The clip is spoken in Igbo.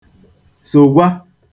sògwa